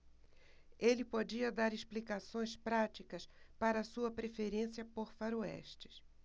ele podia dar explicações práticas para sua preferência por faroestes